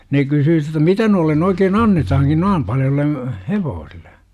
ne kysyi jotta mitä noille oikein annetaankin noin paljoille hevosille